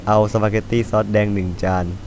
เอาสปาเก็ตตี้ซอสแดงหนึ่งจาน